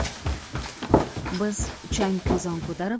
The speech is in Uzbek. biz chang to'zon ko'tarib